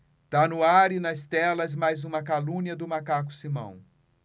tá no ar e nas telas mais uma calúnia do macaco simão